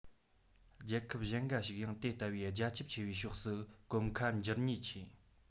རྒྱལ ཁབ གཞན འགའ ཞིག ཡང དེ ལྟ བུའི རྒྱ ཁྱབ ཆེ བའི ཕྱོགས སུ གོམ ཁ བསྒྱུར ཉེན ཆེ